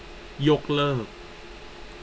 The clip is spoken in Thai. ยกเลิก